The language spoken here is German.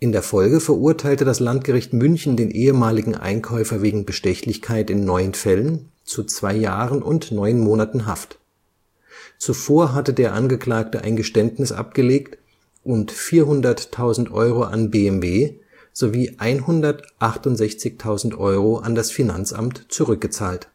der Folge verurteilte das Landgericht München den ehemaligen Einkäufer wegen Bestechlichkeit in neun Fällen zu zwei Jahren und neun Monaten Haft. Zuvor hatte der Angeklagte ein Geständnis abgelegt und 400.000 € an BMW sowie 168.000 € an das Finanzamt zurückgezahlt